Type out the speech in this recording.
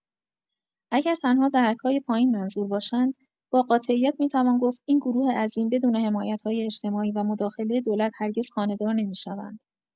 اگر تنها دهک‌های پایین منظور باشند، با قاطعیت می‌توان گفت این گروه عظیم بدون حمایت‌های اجتماعی و مداخله دولت، هرگز خانه‌دار نمی‌شوند.